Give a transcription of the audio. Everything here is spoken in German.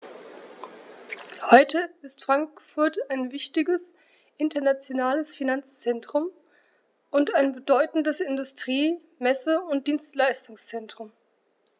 Heute ist Frankfurt ein wichtiges, internationales Finanzzentrum und ein bedeutendes Industrie-, Messe- und Dienstleistungszentrum.